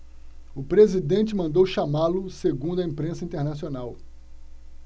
o presidente mandou chamá-lo segundo a imprensa internacional